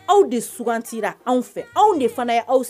Aw de suganti anw fɛ anw de fana ye aw fɛ